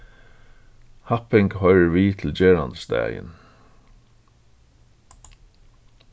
happing hoyrir við til gerandisdagin